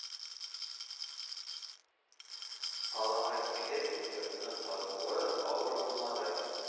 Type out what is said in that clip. Калага килгәч бу йортны табуы авыр булмады